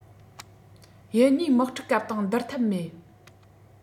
དབྱི གཉིས དམག འཁྲུག སྐབས དང སྡུར ཐབས མེད